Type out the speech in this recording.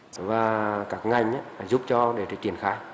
và các ngành ấy phải giúp cho để triển khai